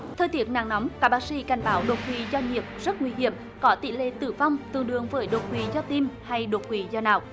thời tiết nắng nóng các bác sĩ cảnh báo đột quỵ do nhiệt rất nguy hiểm có tỷ lệ tử vong từ đường với đột quỵ do tim hay đột quỵ do nào